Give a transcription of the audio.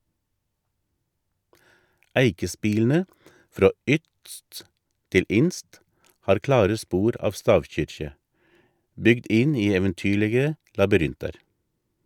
Eikespilene frå ytst til inst har klare spor av stavkyrkje, bygd inn i eventyrlege labyrintar.